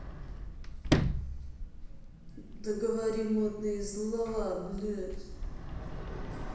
да говори матные слова блядь